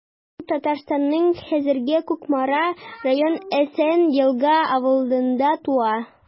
Ул Татарстанның хәзерге Кукмара районы Әсән Елга авылында туа.